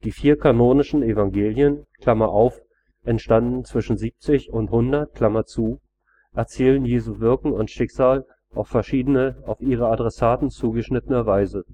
vier kanonischen Evangelien (entstanden zwischen 70 und 100) erzählen Jesu Wirken und Schicksal auf verschiedene, auf ihre Adressaten zugeschnittene Weise